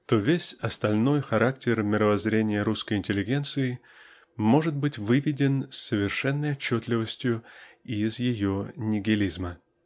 то весь остальной характер мировоззрения русской интеллигенции может быть выведен с совершенной отчетливостью из ее нигилизма.